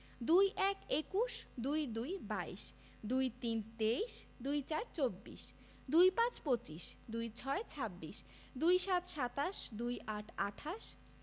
২১ – একুশ ২২ – বাইশ ২৩ – তেইশ ২৪ – চব্বিশ ২৫ – পঁচিশ ২৬ – ছাব্বিশ ২৭ – সাতাশ ২৮ - আটাশ